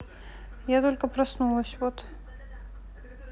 я только проснулась вот